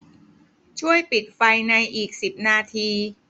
ช่วยปิดไฟในอีกสิบนาที